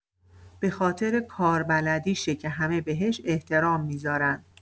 به‌خاطر کاربلدیشه که همه بهش احترام می‌ذارن.